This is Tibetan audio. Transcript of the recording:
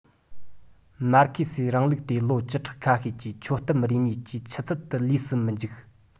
མར ཁེ སིའི རིང ལུགས དེ ལོ བཅུ ཕྲག ཁ ཤས ཀྱི ཆོད གཏམ རེ གཉིས ཀྱི ཆུ ཚད དུ ལུས སུ འཇུག མི སྲིད